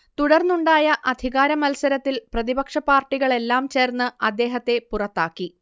തുടർന്നുണ്ടായ അധികാരമത്സരത്തിൽ പ്രതിപക്ഷ പാർട്ടികളെല്ലാം ചേർന്ന് അദ്ദേഹത്തെ പുറത്താക്കി